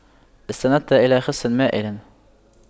استندت إلى خصٍ مائلٍ